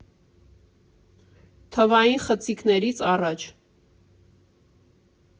Թվային խցիկներից առաջ.